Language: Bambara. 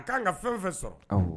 A ka kan ka fɛn fɛn sɔrɔ